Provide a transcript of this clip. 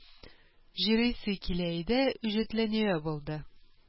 Җырлыйсы килә иде, үҗәтләнүе булды